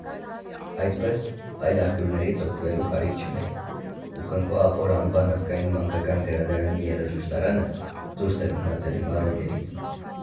Այդպես, այլ աղբյուրներից օգտվելու կարիք չունեի, ու Խնկո Ապոր անվան ազգային մանկական գրադարանի երաժշտադարանը դուրս էր մնացել իմ առօրյայից։